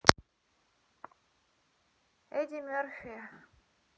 эдди мерфи